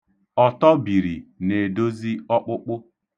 Ọtọbiri na-edozi ọkpụkpụ.